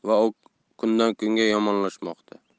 va u kundan kunga yomonlashmoqda